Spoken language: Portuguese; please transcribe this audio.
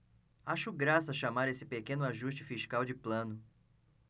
acho graça chamar esse pequeno ajuste fiscal de plano